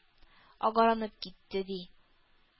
Агарынып китте, ди